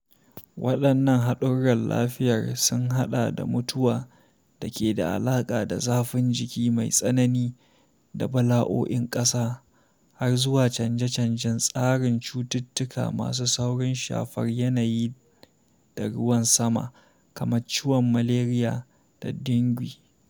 Waɗannan haɗurran lafiyar sun haɗa da mutuwa da ke da alaƙa da zafin jiki mai tsanani da bala’o’in ƙasa, har zuwa canje-canjen tsarin cututtuka masu saurin shafar yanayi da ruwan sama, kamar ciwon Malaria da Dengue.